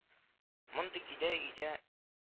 Мондый көйдә өйдә